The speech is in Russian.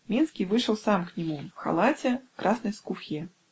Минский вышел сам к нему в халате, в красной скуфье.